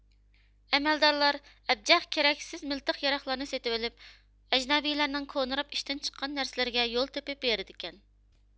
ئەمەلدارلار ئەبجەخ كېرەكسىز مىلتىق ياراغلارنى سېتىۋېلىپ ئەجنەبىيلەرنىڭ كونىراپ ئىشتىن چىققان نەرسىلىرىگە يول تېپىپ بېرىدىكەن